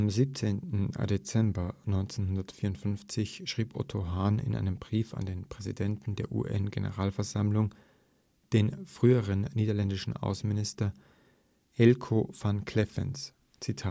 17. Dezember 1954 schrieb Otto Hahn in einem Brief an den Präsidenten der UN-Generalversammlung, den früheren niederländischen Außenminister Eelco van Kleffens: „ Wie